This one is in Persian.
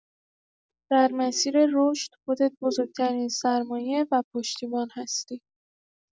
در مسیر رشد، خودت بزرگ‌ترین سرمایه و پشتیبان هستی.